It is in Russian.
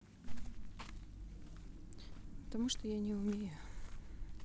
потому что я не умею